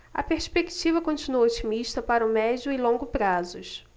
a perspectiva continua otimista para o médio e longo prazos